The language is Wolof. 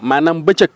maanaam bëccëg